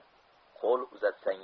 qo'l uzatsang